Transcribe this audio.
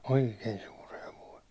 oikein suuri hevonen